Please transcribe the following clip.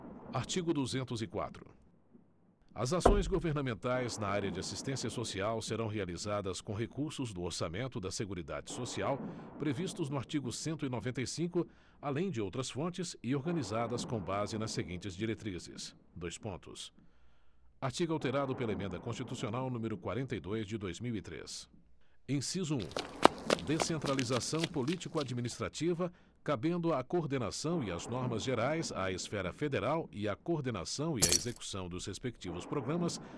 artigo duzentos e quatro as ações governamentais na área da assistência social serão realizadas com recursos do orçamento da seguridade social previstos no artigo cento e noventa e cinco além de outras fontes e organizadas com base nas seguintes diretrizes dois pontos artigo alterado pela emenda constitucional número quarenta e dois de dois mil e três inciso um descentralização político administrativa cabendo a coordenação e as normas gerais à esfera federal e a coordenação e a execução dos respectivos programas